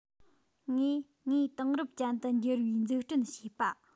ངས ངའི དེང རབས ཅན དུ འགྱུར བའི འཛུགས སྐྲུན བྱེད པ